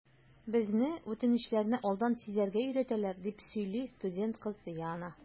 Безне үтенечләрне алдан сизәргә өйрәтәләр, - дип сөйли студент кыз Яна.